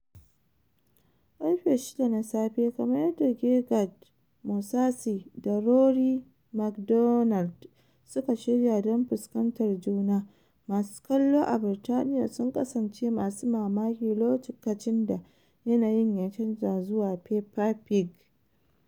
Ƙarfe 6 na safe, kamar yadda Gegard Mousasi da Rory MacDonald suka shirya don fuskantar juna, masu kallo a Birtaniya sun kasance masu mamaki lokacin da yanayin ya canza zuwa Peppa Pig.